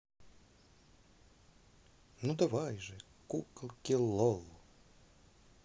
ну давай же куколки лол